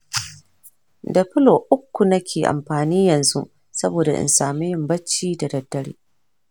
da pillow uku nake amfani yanzu saboda in samu yin bacci da daddare.